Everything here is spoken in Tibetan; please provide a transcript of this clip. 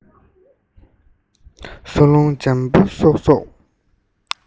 གསོ རླུང འཇམ པོ སོབ སོབ